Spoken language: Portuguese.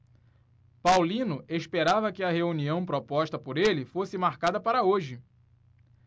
paulino esperava que a reunião proposta por ele fosse marcada para hoje